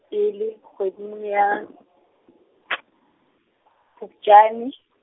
pele, kgweding, ya , Phupjane.